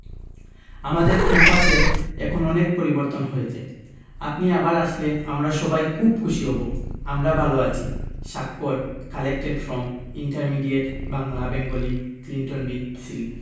আমাদের ক্যাম্পাসের এখন অনেক পরিবর্তন হয়েছে আপনি আবার আসলে আমরা সবাই খুব খুশি হব আমরা ভালো আছি স্বাক্ষর collected from intermediate Bangla Bengali Clinton B Seely